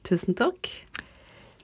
tusen takk.